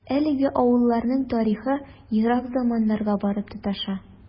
Әлеге авылларның тарихы ерак заманнарга барып тоташа.